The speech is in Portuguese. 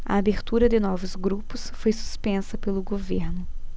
a abertura de novos grupos foi suspensa pelo governo